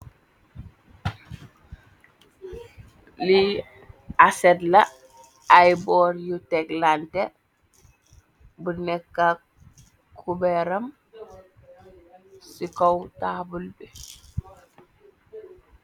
Li asset la ay bowl yuu tekk lan teh, bu nekka ak ku bea ram, ci kaw tablu bi.